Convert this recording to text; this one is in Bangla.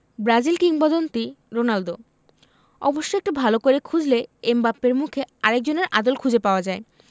ব্রাজিল কিংবদন্তি রোনালদো অবশ্য একটু ভালো করে খুঁজলে এমবাপ্পের মুখে আরেকজনের আদল খুঁজে পাওয়া যায়